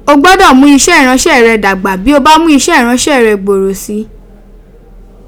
O gbodo mu ise iranse re dagba, bi o ba mu ise iranse re gbooro si